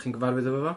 Chi'n gyfarwydd efo fo?